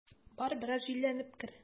Бар, бераз җилләнеп кер.